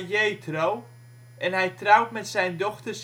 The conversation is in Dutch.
Jetro, en hij trouwt met zijn dochter